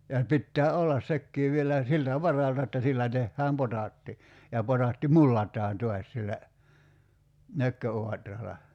ja se pitää olla sekin vielä siltä varalta että sillä tehdään potaatti ja potaatti mullataan taas sillä nökköauralla